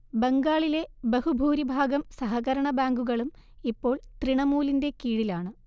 ബംഗാളിലെ ബഹുഭൂരിഭാഗം സഹകരണ ബാങ്കുകളും ഇപ്പോൾ തൃണമൂലിന്റെ കീഴിലാണ്